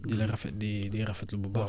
di la rafet di di rafetlu bu baax